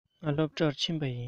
ང སློབ གྲྭར ཕྱིན པ ཡིན